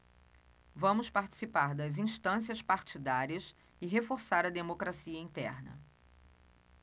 vamos participar das instâncias partidárias e reforçar a democracia interna